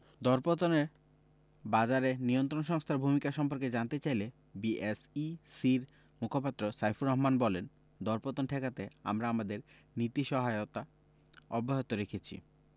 দরপতনের বাজারে নিয়ন্ত্রক সংস্থার ভূমিকা সম্পর্কে জানতে চাইলে বিএসইসির মুখপাত্র সাইফুর রহমান বলেন দরপতন ঠেকাতে আমরা আমাদের নীতি সহায়তা অব্যাহত রেখেছি